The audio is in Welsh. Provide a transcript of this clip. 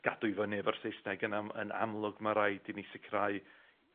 gadw i fyny efo'r Saesneg yn am- yn amlwg, ma' raid i ni sicrau